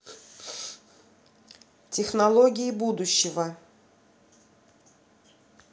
технологии будущего